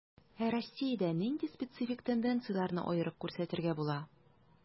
Ә Россиядә нинди специфик тенденцияләрне аерып күрсәтергә була?